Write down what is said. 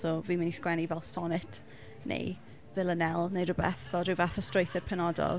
So fi'n mynd i sgwennu fel sonnet neu villanelle neu rywbeth fel ryw fath o strwythur penodol.